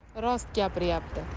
rost gapiryapti